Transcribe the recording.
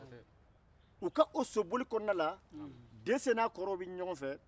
u ka o soboli kɔnɔna na dɛsɛ n'a kɔrɔw bɛ ɲɔgɔn fɛ